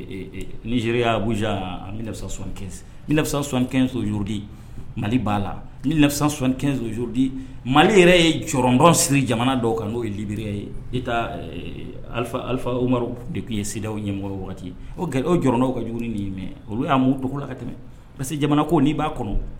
Ni y'a boz anisa son ni sonsoodi mali b'a la niodi mali yɛrɛ ye jɔdɔn siri jamana dɔw kan n'o ye lbririya ye i ali alifaru de tun ye seliw ɲɛmɔgɔ waati o o jɔndɔw ka jugu nin olu y'a mun dɔgɔ la ka tɛmɛ parce que jamana ko n'i b'a kɔnɔ